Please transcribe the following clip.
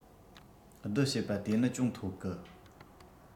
བསྡུ བྱེད པ དེ ནི ཅུང མཐོ གི